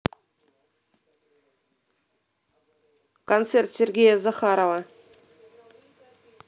концерт сергея захарова